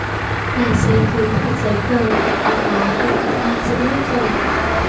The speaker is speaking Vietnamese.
tài xế thú thật giấy tờ bằng lái bị công an giữ hết rồi